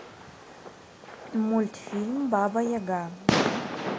мультфильм баба яга